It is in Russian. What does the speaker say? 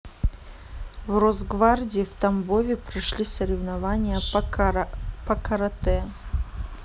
в росгвардии в тамбове прошли соревнования по карате